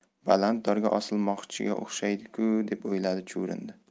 baland dorga osilmoqchiga o'xshaydi ku deb o'yladi chuvrindi